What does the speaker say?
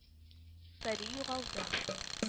Пәри югалды